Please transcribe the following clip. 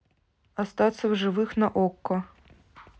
остаться в живых на окко